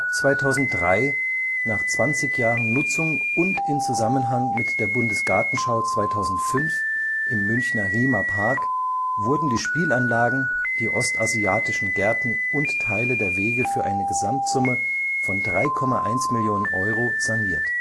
2003, nach 20 Jahren Nutzung und in Zusammenhang mit der Bundesgartenschau 2005 im Münchner Riemer Park, wurden die Spielanlagen, die ostasiatischen Gärten und Teile der Wege für eine Gesamtsumme von 3,1 Millionen Euro saniert